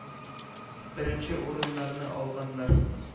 Беренче урыннарны алганнар,